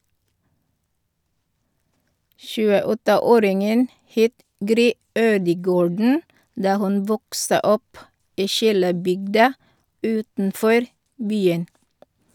28-åringen het Gry Ødegaarden da hun vokste opp i Kilebygda utenfor byen.